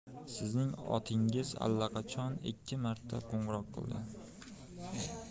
sizning otingiz allaqachon ikki marta qo'ng'iroq qildi